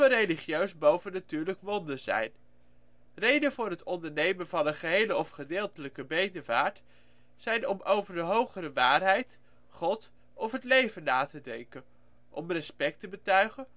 religieus bovennatuurlijk wonder zijn. Redenen voor het ondernemen van een gehele of gedeeltelijke bedevaart zijn om over een hogere waarheid, God of het leven na te denken; om respect te betuigen